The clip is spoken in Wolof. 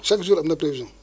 chaque jour am na prévision